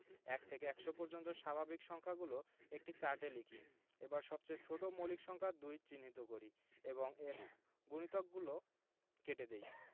১ থেকে ১০০ পর্যন্ত স্বাভাবিক সংখ্যাগুলো একটি চার্টে লিখি এবার সবচেয়ে ছোট মৌলিক সংখ্যা ২ চিহ্নিত করি এবং এর গুণিতকগলো কেটে দেই